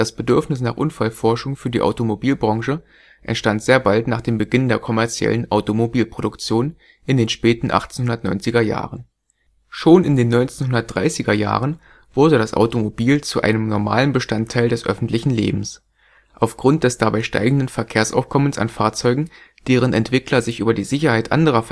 Bedürfnis nach Unfallforschung für die Automobilbranche entstand sehr bald nach dem Beginn der kommerziellen Automobilproduktion in den späten 1890er Jahren. Schon in den 1930er Jahren wurde das Automobil zu einem normalen Bestandteil des öffentlichen Lebens. Aufgrund des dabei steigenden Verkehrsaufkommens an Fahrzeugen, deren Entwickler sich über die Sicherheit anderer